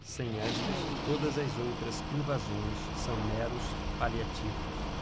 sem estas todas as outras invasões são meros paliativos